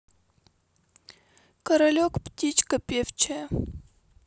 королек птичка певчая